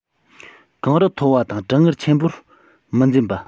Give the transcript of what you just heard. གངས རི མཐོ བ དང གྲང ངར ཆེན པོར མི འཛེམ པ